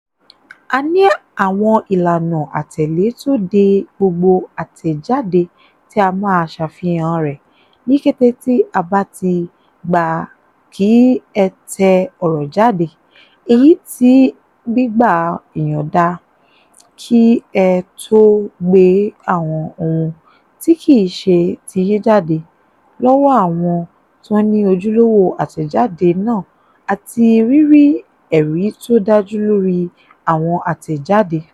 A ní àwọn ìlànà àtẹ̀lé tó de gbogbo àtẹ̀jáde tí a máa ṣàfihàn rẹ̀ ní kété tí a bá ti gbà kí ẹ tẹ ọ̀rọ̀ jáde, èyí tí gbígba ìyọ̀nda kí ẹ tóo gbé àwọn ohun tí kìí ṣe tiyín jáde lọ́wọ́ àwọn tó ni ojúlówó àtẹ̀jáde náà àti rírí ẹ̀rí tó dájú lórí àwọn àtẹ̀jadé.